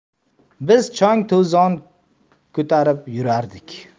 biz chang to'zon ko'tarib yurardik